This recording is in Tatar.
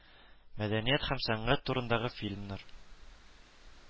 Мәдәният һәм сәнгать турындагы фильмнар